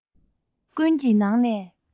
ཀུན གྱི ནང ནས